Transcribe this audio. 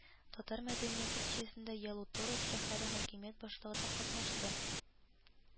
Татар мәдәнияте кичәсендә Ялуторов шәһәре хакимият башлыгы да катнашты